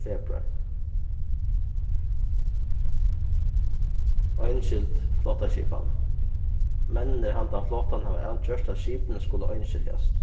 februar einskild flotaskipan menninir handan flotan hava avgjørt at skipini skulu einskiljast